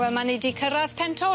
Wel ma' ni 'di cyrradd Pen tor...